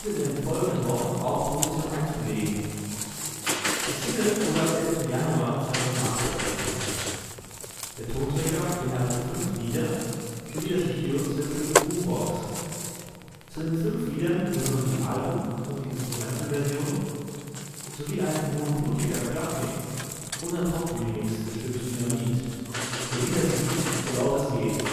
den folgenden Wochen auch Position 1 belegen. Die Single wurde am 11. Januar 2008 veröffentlicht. Der Tonträger beinhaltet fünf Lieder sowie das Video zu dem Stück Boombox. Zu den fünf Liedern gehören die Album - und die Instrumental-Version sowie ein Moonbootica Club Mix und ein Tropf-Remix des Stücks Dynamit! sowie das Lied So laut es geht